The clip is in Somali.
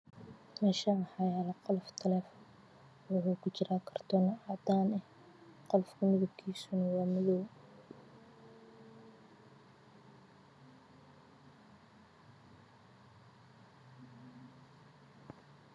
Meeshaan waxaa yeelo kartoon cadaan qolofka midabkiisa wa cadaan